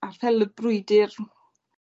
a'r ffel y brwydyr